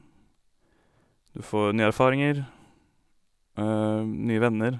Du får nye erfaringer, nye venner.